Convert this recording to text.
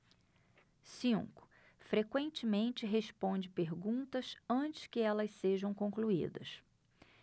cinco frequentemente responde perguntas antes que elas sejam concluídas